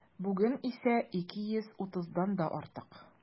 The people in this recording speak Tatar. Бүген исә 230-дан да артык.